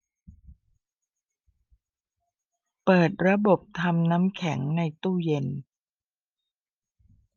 เปิดระบบทำน้ำแข็งในตู้เย็น